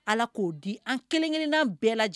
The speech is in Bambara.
Ala k'o di an kelenkelenan bɛɛ lajɛ